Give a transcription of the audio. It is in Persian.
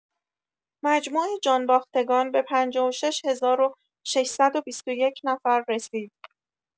مجموع جان‌باختگان به ۵۶ هزار و ۶۲۱ نفر رسید.